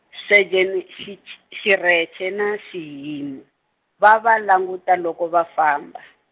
Sejeni Xits- Xirheche na Xihimu, va va languta loko va famba.